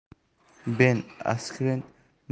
ben askren mma tarixidagi